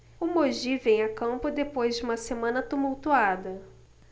o mogi vem a campo depois de uma semana tumultuada